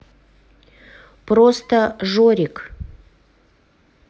просто жорик